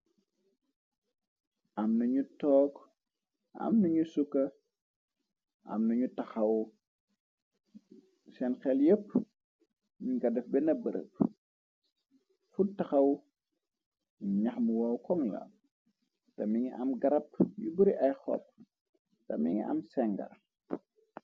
took am nañu sukka am nañu taxaw seen xel yépp nga def benna bërëb fut taxaw nax mu waaw konla te mi ngi am garab yu buri ay xopb te mi ngi am sengar